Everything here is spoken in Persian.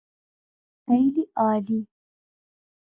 خیلی عالی!